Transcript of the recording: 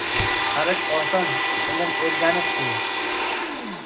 qarish oson ilm o'rganish qiyin